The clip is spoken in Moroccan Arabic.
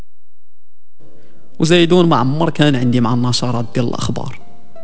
و زيد و المعمور كان عندي معنا صار عبد الله اخبار